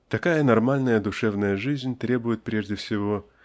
Такая нормальная душевная жизнь требует прежде всего